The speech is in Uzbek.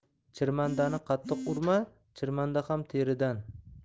chirmandani qattiq urma chirmanda ham teridan